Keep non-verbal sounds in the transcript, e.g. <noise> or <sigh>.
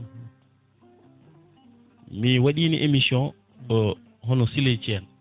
mi waɗino émission <hesitation> hono Sileye Cene